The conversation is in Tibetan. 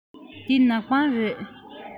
འདི ནག པང རེད